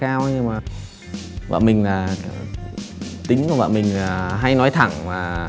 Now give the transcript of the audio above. cao nhưng mà vợ mình là tính của vợ mình là hay nói thẳng và